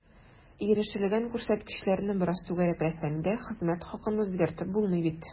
Ирешелгән күрсәткечләрне бераз “түгәрәкләсәң” дә, хезмәт хакын үзгәртеп булмый бит.